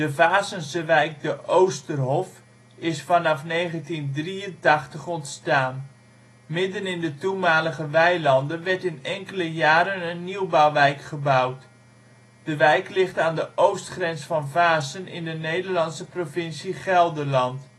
Vaassense wijk de Oosterhof is vanaf 1983 ontstaan. Midden in de toenmalige weilanden werd in enkele jaren een nieuwbouwwijk gebouwd. De wijk ligt aan de oostgrens van Vaassen in de Nederlandse provincie Gelderland